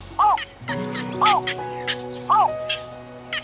ó ó ó ó ó